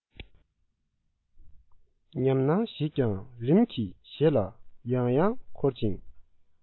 ཉམས སྣང ཞིག ཀྱང རིམ གྱིས ཞེ ལ ཡང ཡང འཁོར ཅིང